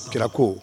Kirako